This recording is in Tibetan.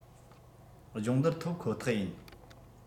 སྦྱོང བརྡར ཐོབ ཁོ ཐག ཡིན